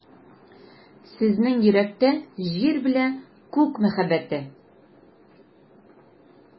Сезнең йөрәктә — Җир белә Күк мәхәббәте.